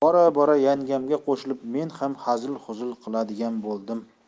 bora bora yangamga qo'shilib men ham hazil huzul qiladigan bo'ldim